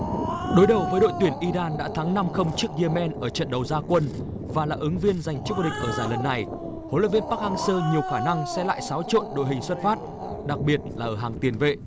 đối đầu với đội tuyển i ran đã thắng năm không trước giê man ở trận đấu ra quân và là ứng viên giành chức vô địch ở giải lần này huấn luyện viên pắc hang sơ nhiều khả năng sẽ lại xáo trộn đội hình xuất phát đặc biệt là ở hàng tiền vệ